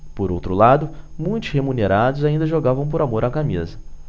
por outro lado muitos remunerados ainda jogavam por amor à camisa